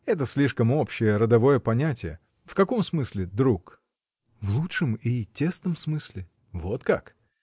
— Это слишком общее, родовое понятие. В каком смысле — друг? — В лучшем и тесном смысле. — Вот как!